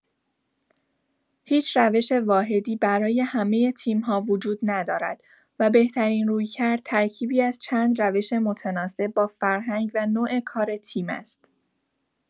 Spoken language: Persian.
هیچ روش واحدی برای همه تیم‌ها وجود ندارد و بهترین رویکرد، ترکیبی از چند روش متناسب با فرهنگ و نوع کار تیم است.